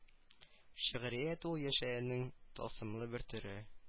Шигърият ул яшәешнең тылсымлы бер төре